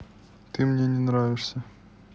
ты мне не нравишься